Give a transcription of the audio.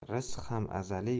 rizq ham azaliy